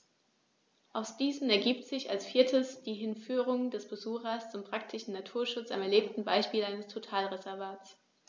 Aus diesen ergibt sich als viertes die Hinführung des Besuchers zum praktischen Naturschutz am erlebten Beispiel eines Totalreservats.